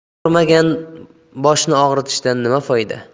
og'rimagan boshni og'ritishdan nima foyda